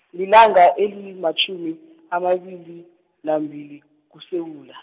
lilanga elimatjhumi, amabili, nambili, kuSewula.